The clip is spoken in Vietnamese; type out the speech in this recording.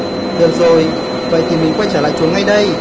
được rồi vậy thì mình quay trở lại chuồng ngay đây